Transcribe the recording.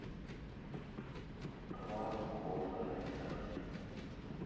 клава кока на яхте